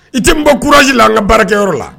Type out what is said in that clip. I tɛ n bɔ kuraji la an ka baarakɛyɔrɔ yɔrɔ la